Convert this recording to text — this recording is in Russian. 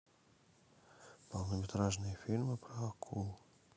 полнометражные фильмы про акул